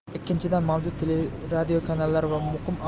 ikkinchidan mavjud teleradiokanallar va muqim